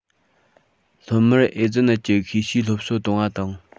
སློབ མར ཨེ ཙི ནད ཀྱི ཤེས བྱའི སློབ གསོ གཏོང བ དང